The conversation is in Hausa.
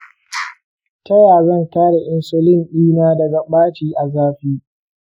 ta ya zan kare insulin ɗina daga ɓaci a zafi?